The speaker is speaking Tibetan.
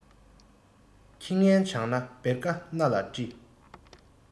ཁྱི ངན བྱང ན བེར ཀ སྣ ལ བཀྲི